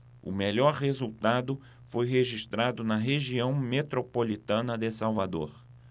o melhor resultado foi registrado na região metropolitana de salvador